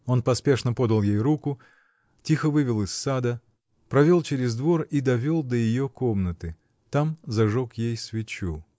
Он поспешно подал ей руку, тихо вывел из сада, провел через двор и довел до ее комнаты. Там зажег ей свечу.